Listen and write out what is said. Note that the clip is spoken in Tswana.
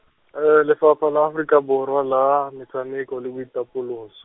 Lefapha la Aforika Borwa la, Metshameko le Boitapoloso.